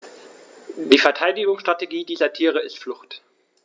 Die Verteidigungsstrategie dieser Tiere ist Flucht.